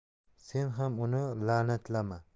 sen ham uni la'natlama